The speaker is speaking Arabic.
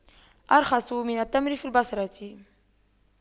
أرخص من التمر في البصرة